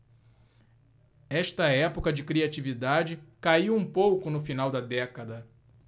esta época de criatividade caiu um pouco no final da década